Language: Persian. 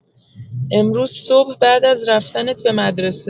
امروز صبح بعد از رفتنت به مدرسه.